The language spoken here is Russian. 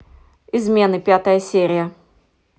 измены пятая серия